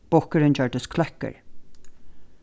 bukkurin gjørdist kløkkur